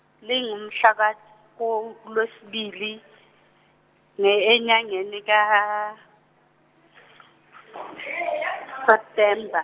lingo mhla ka, ulwesibini, ne- enyangeni ka- , September.